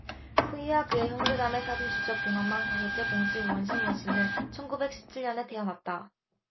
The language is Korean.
푸이와 그의 형제자매 사진출처 봉황망 다섯째 공주 윈신윈신은 천 구백 십 칠 년에 태어났다